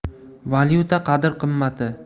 valyuta qadr qimmati